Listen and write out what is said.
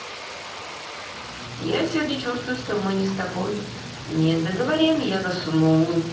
я сегодня чувствую что мы не с тобой не договорим я засну